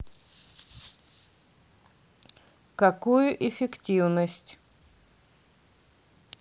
какую эффективность